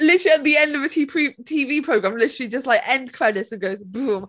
Literally at the end of a tee- pre- TV programme, literally just like, end credits and goes boom.